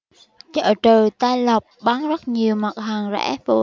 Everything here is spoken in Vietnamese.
chợ trời tây lộc bán rất nhiều mặt hàng rẻ phù